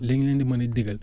liñ leen di mën a digal